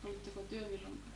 olitteko te milloin